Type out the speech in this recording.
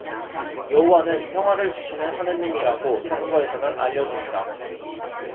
여호와는 평화를 주시는 하느님이라고 성서에서는 알려 줍니다